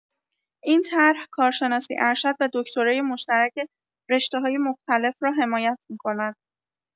این طرح، کارشناسی‌ارشد و دکترای مشترک رشته‌های مختلف را حمایت می‌کند.